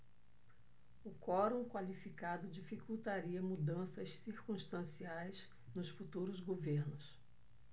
o quorum qualificado dificultaria mudanças circunstanciais nos futuros governos